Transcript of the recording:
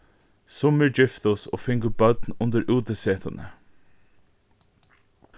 summir giftust og fingu børn undir útisetuni